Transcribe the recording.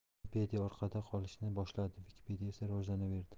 nupedia orqada qolishni boshladi wikipedia esa rivojlanaverdi